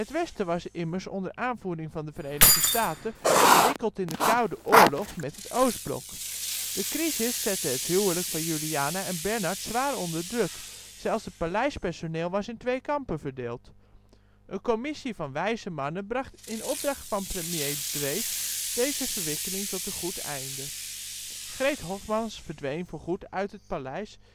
Westen was immers onder aanvoering van de Verenigde Staten verwikkeld in de Koude Oorlog met het Oostblok. De crisis zette het huwelijk van Juliana en Bernard zwaar onder druk; zelfs het paleispersoneel was in twee kampen verdeeld. Een commissie van wijze mannen bracht in opdracht van premier Drees deze verwikkeling tot een goed einde. Greet Hofmans verdween voorgoed uit het paleis